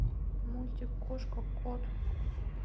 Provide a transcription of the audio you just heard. мультик кошка кот